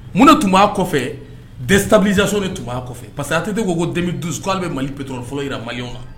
Mun tun b'a kɔfɛ de sabujasoni tun b'a parce que a tɛ se ko ko denmisɛnnin'ale bɛ mali pe dɔrɔn fɔlɔ may na